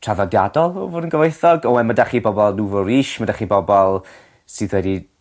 traddodiadol o fod yn gyfoethog. A we'yn ma' 'dach chi bobol nouveau riche ma' 'dach chi bobol sydd wedi